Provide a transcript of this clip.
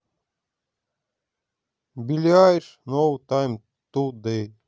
билли айлиш ноу тайм ту дай